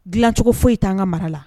Dilancogo foyi ye' an ka mara la